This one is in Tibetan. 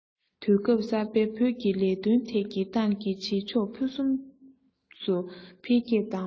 དུས སྐབས གསར པའི བོད ཀྱི ལས དོན ཐད ཀྱི ཏང གི བྱེད ཕྱོགས ཕུན སུམ ཚོགས སུ དང འཕེལ རྒྱས བཏང བ